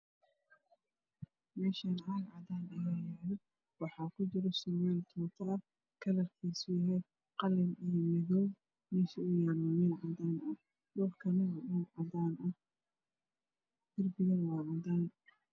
Meeshaan caag cadaan ayaa yaalo waxaa ku jiro surwaal tuuta ah kalrkiisu yahay qalin iyo madow meesha uu yaalo waa meel cadaan aha derbigana waa cadaan